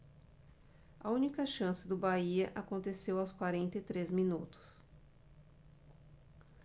a única chance do bahia aconteceu aos quarenta e três minutos